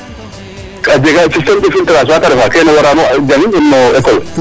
a jega filtrage fa ta ref kene wara no jang no école